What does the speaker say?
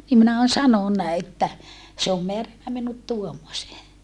niin minä olen sanonut että se on määrännyt minut tuommoiseen